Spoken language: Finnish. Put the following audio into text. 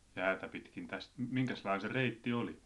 jäätä pitkin tästä minkäslainen se reitti oli